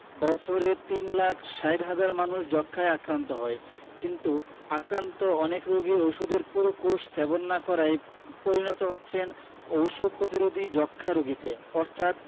বছরে তিন লাখ ৬০ হাজার মানুষ যক্ষ্মায় আক্রান্ত হয় কিন্তু আক্রান্ত অনেক রোগী ওষুধের পুরো কোর্স সেবন না করায় পরিণত হচ্ছেন ওষুধ প্রতিরোধী যক্ষ্মা রোগীতে অর্থাৎ